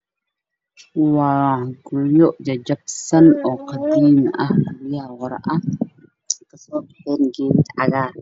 Waa guryo jajabsan oo qadiimi ah midabkiisu waa cagaar.